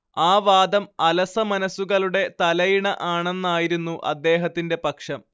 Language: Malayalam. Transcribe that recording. ആ വാദം അലസമനസ്സുകളുടെ തലയിണ ആണെന്നായിരുന്നു അദ്ദേഹത്തിന്റെ പക്ഷം